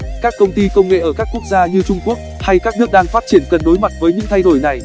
các công ty công nghệ ở các quốc gia như trung quốc hay các nước đang phát triển cần đối mặt với những thay đổi này